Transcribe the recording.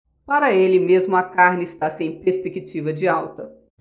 para ele mesmo a carne está sem perspectiva de alta